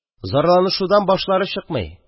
– зарланышудан башлары чыкмый.